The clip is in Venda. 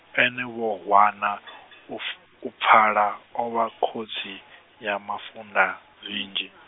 ene bohwana uf- u pfala o vha khosi, ya mafunda, zwinzhi.